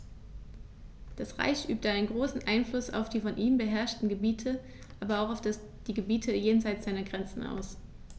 Das Reich übte einen großen Einfluss auf die von ihm beherrschten Gebiete, aber auch auf die Gebiete jenseits seiner Grenzen aus.